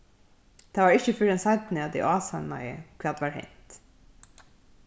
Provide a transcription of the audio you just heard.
tað var ikki fyrr enn seinni at eg ásannaði hvat var hent